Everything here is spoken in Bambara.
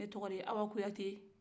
ne tɔgɔ de ye awa kuyate